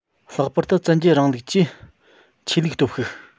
ལྷག པར དུ བཙན རྒྱལ རིང ལུགས ཀྱི ཆོས ལུགས སྟོབས ཤུགས